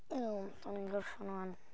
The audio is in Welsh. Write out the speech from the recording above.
Iawn, dan ni'n gorffen ŵan.